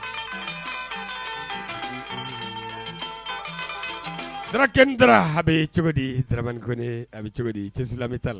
Kɛ taara a bɛ cogo di tmani kɔni a bɛ cogo di bɛ taa la